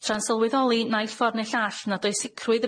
Tra'n sylweddoli naill ffor' ne' llall nad oes sicrwydd